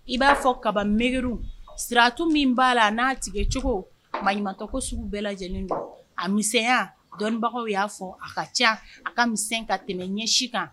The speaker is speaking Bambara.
I ba fɔ kaba megeru siratu min ba la na tigɛ cogo maɲumantɔ ko sugu bɛɛ lajɛlen don. A misɛnya dɔnnibagaw ya fɔ a ka can ka misɛn ka tɛmɛ ɲɛsi kan.